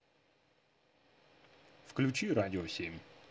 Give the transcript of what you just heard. включи радио семь